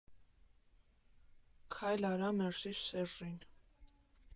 ֊ Քայլ արա, մերժիր Սեռժին։